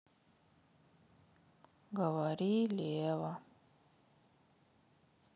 говори лева